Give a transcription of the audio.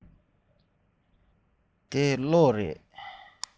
འདི གློག རེད